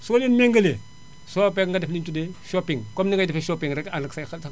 soo leen mmutuelle :fragalee soo parenga def li ñu tuddee shoping comme ni ngay dedfee shoping rek ci ànda ak say xarit